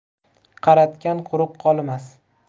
qaratgan quruq qolmas